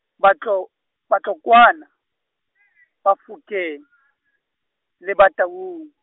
Batlo-, Batlokwana- , Bafokeng le Bataung.